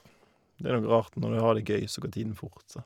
Det er noe rart, når du har det gøy, så går tiden fort, så...